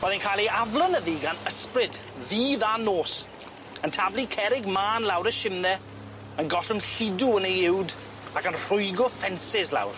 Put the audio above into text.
Oedd e'n cael ei aflonyddu ysbryd ddydd a nos yn taflu cerrig mân lawr y shimne, yn gollwng lludw yn ei uwd, ac yn rhwygo ffensys lawr.